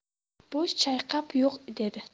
bosh chayqab yo'q dedi